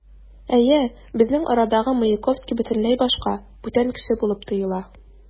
Әйе, безнең арадагы Маяковский бөтенләй башка, бүтән кеше булып тоела.